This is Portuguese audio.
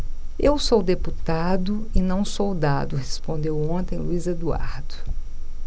eu sou deputado e não soldado respondeu ontem luís eduardo